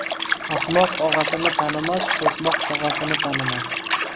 ahmoq og'asini tanimas to'qmoq tog'asini tanimas